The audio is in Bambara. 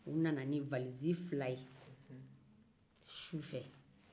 u nana ni valiszi fila ye su fɛ